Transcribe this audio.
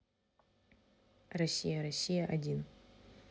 россия россия один